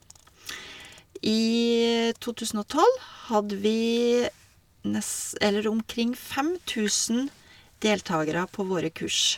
I to tusen og tolv hadde vi nes eller omkring fem tusen deltagere på våre kurs.